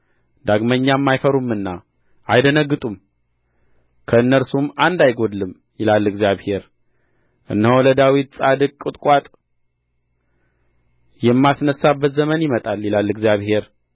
ዳግመኛም አይፈሩምና አይደነግጡም ከእነሱም አንድ አይጐድልም ይላል እግዚአብሔር እነሆ ለዳዊት ጻድቅ ቍጥቋጥ የማስነሣበት ዘመን ይመጣል ይላል እግዚአብሔር